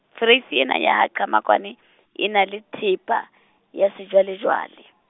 foreisi ena ya ha Qhamakwane, e na le thepa ya sejwalejwale .